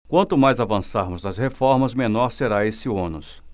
quanto mais avançarmos nas reformas menor será esse ônus